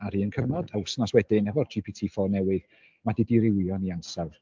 ar un cyfnod a wythnos wedyn efo'r GPT four newydd mae 'di dirywio'n ei ansawdd.